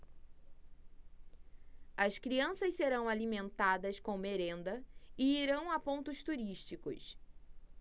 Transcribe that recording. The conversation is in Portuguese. as crianças serão alimentadas com merenda e irão a pontos turísticos